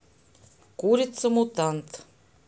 курица мутант